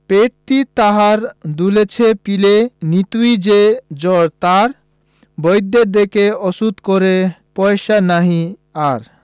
পেটটি তাহার দুলছে পিলেয় নিতুই যে জ্বর তার বৈদ্য ডেকে ওষুধ করে পয়সা নাহি আর